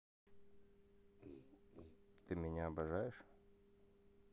ты меня обожаешь